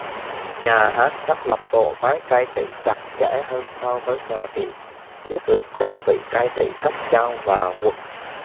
nhà hán xác lập bộ máy cai trị chặt chẽ hơn so với nhà triệu thiết lập đơn vị cai trị cấp châu và quận